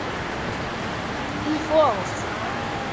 и foals